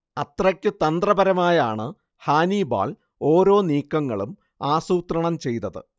അത്രയ്ക്കു തന്ത്രപരമായാണ് ഹാനിബാൾ ഒരോ നീക്കങ്ങളും ആസൂത്രണം ചെയ്തത്